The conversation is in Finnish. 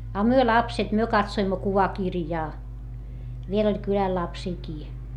a me lapset me katsoimme kuvakirjaa vielä oli kylällä lapsiakin